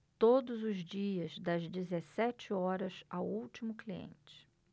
todos os dias das dezessete horas ao último cliente